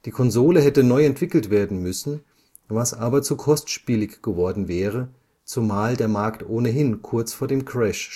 Konsole hätte neu entwickelt werden müssen, was aber zu kostspielig geworden wäre, zumal der Markt ohnehin kurz vor dem Crash